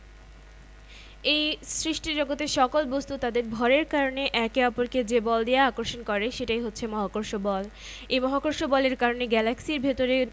এই সৃষ্টিজগতের সকল বস্তু তাদের ভরের কারণে একে অপরকে যে বল দিয়ে আকর্ষণ করে সেটাই হচ্ছে মহাকর্ষ বল এই মহাকর্ষ বলের কারণে গ্যালাক্সির ভেতরে